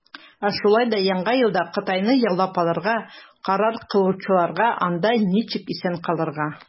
Ә шулай да Яңа елда Кытайны яулап алырга карар кылучыларга, - анда ничек исән калырга.